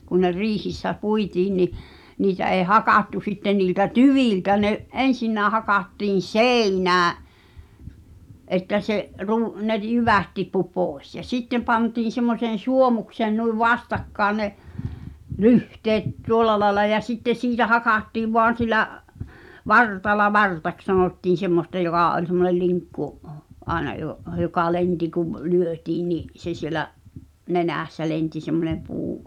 kun ne riihissä puitiin niin niitä ei hakattu sitten niiltä tyviltä ne ensinnäkin hakattiin seinään että se - ne - jyvät tippui pois ja sitten pantiin semmoiseen suomukseen noin vastakkain ne lyhteet tuolla lailla ja sitten siitä hakattiin vain sillä vartalla vartaksi sanottiin semmoista joka oli semmoinen linkku aina - joka lensi kun lyötiin niin se siellä nenässä lensi semmoinen puu